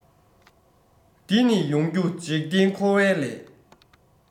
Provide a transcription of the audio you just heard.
འདི ནི ཡོང རྒྱུ འཇིག རྟེན འཁོར བའི ལས